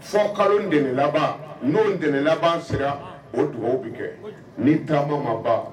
Fɔ kalo in ntɛnɛn laban, n'o ntɛnɛn laban sera, han; o dugawu bɛ kɛ. Kojugu; ni taama ma ban